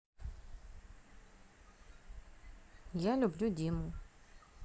я люблю диму